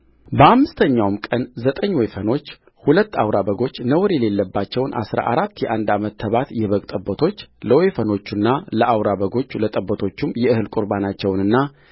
በአምስተኛውም ቀን ዘጠኝ ወይፈኖች ሁለት አውራ በጎች ነውር የሌለባቸውን አሥራ አራት የአንድ ዓመት ተባት የበግ ጠቦቶችለወይፈኖቹና ለአውራ በጎቹ ለጠቦቶቹም የእህል ቍርባናቸውንና